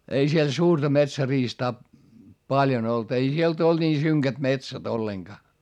ei siellä suurta metsäriistaa paljon ollut ei sieltä ollut niin synkät metsät ollenkaan